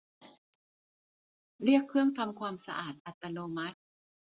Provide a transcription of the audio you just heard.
เรียกเครื่องทำความสะอาดอัตโนมัติ